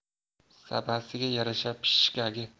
sabasiga yarasha pishgagi